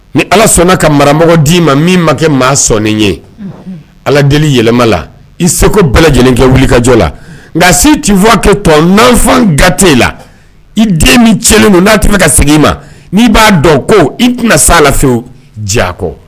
Ni ala sɔnna ka mara d'i ma min ma kɛ maa sɔɔni ye ala deli yɛlɛma la i se bɛɛ lajɛlen kɛ wulikajɔ la nka se t fɔ kɛ tɔn n'fan gate la i den min cɛlen don n'a tɛmɛ bɛ ka segin i ma n'i b'a dɔn ko i tɛna se la fewu diyakɔ